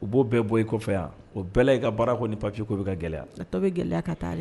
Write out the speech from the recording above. U b'o bɛɛ bɔ i kɔfɛ yan o bɛɛ la i ka baara kɔni papier ko bɛ gɛlɛya, a tɔ bɛ gɛlɛya ka taa de